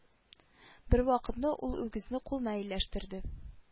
Бервакытны ул үгезне кулына ияләштерде